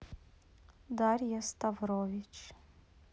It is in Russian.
дарья ставрович